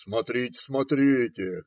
- Смотрите, смотрите!